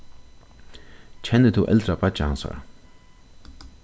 kennir tú eldra beiggja hansara